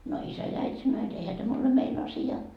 no isä ja äiti sanoo jotta eihän tämä ole meidän asia